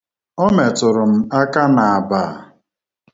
Ọ metụrụ m aka n'aba.